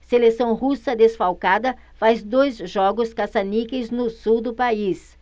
seleção russa desfalcada faz dois jogos caça-níqueis no sul do país